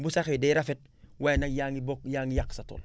bu saxee day rafet waaye nag yaa ngi boog yaa ngi yàq sa tool